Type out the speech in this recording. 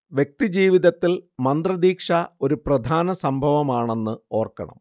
വ്യക്തി ജീവിതത്തിൽ മന്ത്രദീക്ഷ ഒരു പ്രധാന സംഭവമാണെന്ന് ഓർക്കണം